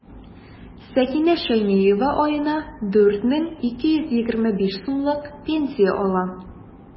Сәкинә Шәймиева аена 4 мең 225 сумлык пенсия ала.